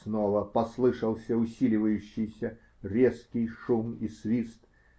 Снова послышался усиливающийся резкий шум и свист.